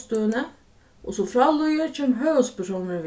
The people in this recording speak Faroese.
og sum frá líður kemur høvuðspersónurin við